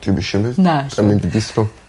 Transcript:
Dwi'm isio n'w. Na allwn. Sai'n mynd i disgwl.